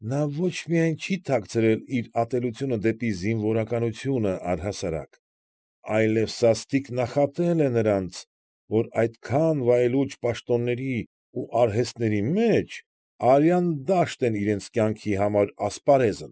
Նա ոչ միայն չի թաքցրել իր ատելությունը դեպի զինվորականությունն առհասարակ, այլև սաստիկ նախատել է նրանց, որ այդքան վայելուչ պաշտոնների ու արհեստների մեջ «արյան դաշտն են իրանց կյանքի համար ասպարեզ։